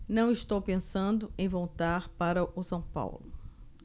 não estou pensando em voltar para o são paulo